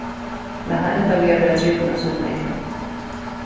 men hann endar við at verða dripin av sínum egnu